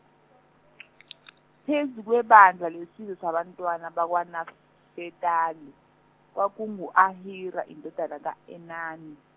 phezukwebandla lesizwe sabantwana bakwaNafetali, kwakungu Ahira indodana kaEnani.